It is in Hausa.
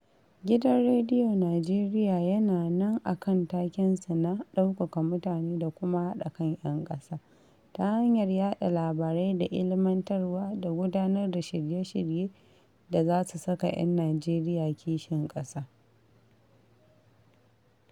Gidan Rediyon Nijeriya yana nan akan takensa na ''ɗaukaka mutane da kuma haɗa kan 'yan ƙasa'' ta hanyar yaɗa labarai da ilmantarwa da gudanar da shirye-shirye da za su saka 'yan Nijeriya kishin ƙasa.